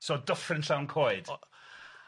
So dyffryn llawn coed. O-